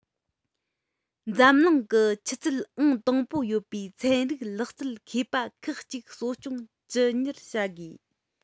འཛམ གླིང གི ཆུ ཚད ཨང དང པོ ཡོད པའི ཚན རིག ལག རྩལ མཁས པ ཁག གཅིག གསོ སྐྱོང ཅི མྱུར བྱ དགོས